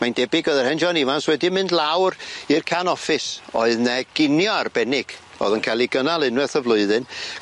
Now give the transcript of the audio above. Mae'n debyg o'dd y hen John Ivans wedi mynd lawr i'r can office oedd 'ne ginio arbennig o'dd yn ca'l 'i gynnal unweth y flwyddyn.